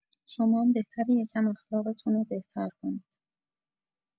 شمام بهتره یکم اخلاقتون بهتر کنید